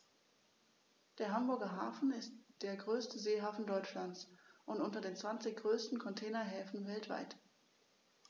Der Hamburger Hafen ist der größte Seehafen Deutschlands und unter den zwanzig größten Containerhäfen weltweit.